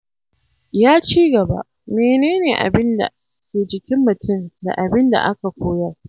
Ya ci gaba: Mene ne abin da ke jikin mutum da abin da aka koyar?